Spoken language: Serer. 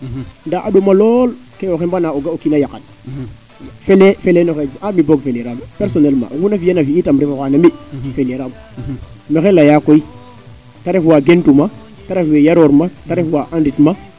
nda a ndoma lool kee o xembana o ga o kiina yaqan fele fele no xeeña mi boog feliraan personnelement oxu naa fiyan no fi yitam refo xaa na mi feliraam maxey leya koy te ref waa gentuuma te ref wee yaroor ma te ref waa andit ma